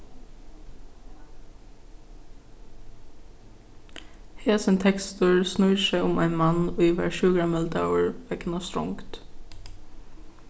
hesin tekstur snýr seg um ein mann ið varð sjúkrameldaður vegna strongd